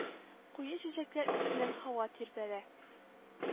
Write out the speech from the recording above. Куе чәчәкләр исеннән һава тирбәлә